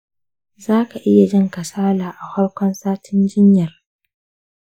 za ka iya ji kasala a farkon satin jinyar.